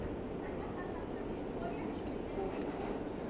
русский коп